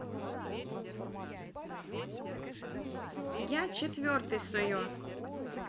я четвертый сует